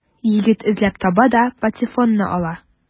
Егет эзләп таба да патефонны ала.